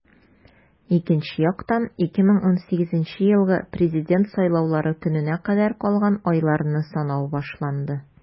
Икенче яктан - 2018 елгы Президент сайлаулары көненә кадәр калган айларны санау башланды.